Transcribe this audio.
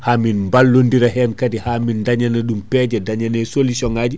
ha ballodira hen kaadi ha min dañaɗum peeje dañane solution ŋaji